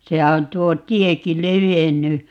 sehän on tuo tiekin levennyt